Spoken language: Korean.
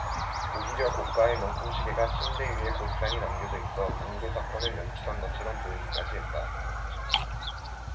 오히려 고가의 명품시계가 침대 위에 고스란히 남겨져 있어 강도 사건을 연출한 것처럼 보이기까지 했다